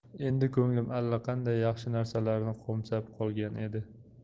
endi ko'nglim alla qanday yaxshi narsalarni qo'msab qolgan edi